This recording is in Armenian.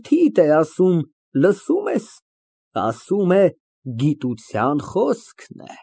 Որդիդ է ասում, լսո՞ւմ ես, ասում է՝ գիտության խոսքն է։